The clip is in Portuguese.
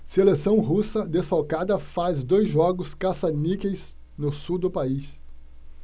seleção russa desfalcada faz dois jogos caça-níqueis no sul do país